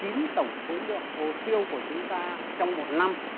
chín tổng khối lượng hồ tiêu của chúng ta trong một năm